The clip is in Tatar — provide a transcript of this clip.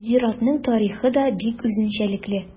Зиратның тарихы да бик үзенчәлекле.